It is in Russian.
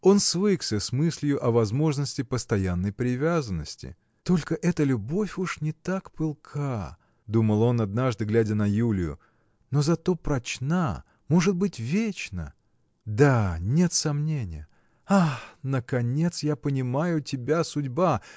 Он свыкся с мыслию о возможности постоянной привязанности. Только эта любовь уж не так пылка. – думал он однажды глядя на Юлию – но зато прочна может быть вечна! Да, нет сомнения. А! наконец я понимаю тебя, судьба!